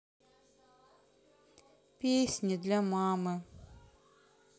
песни для мамы